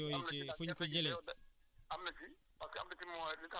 ndax tam ci wàllu jiw bi tam loolu amu ci jafe-jafe gerte googu ñàkk